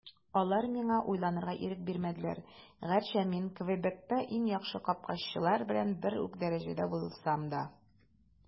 Алар миңа уйнарга ирек бирмәделәр, гәрчә мин Квебекта иң яхшы капкачылар белән бер үк дәрәҗәдә булсам да.